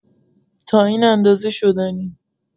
تا این اندازه شدنی!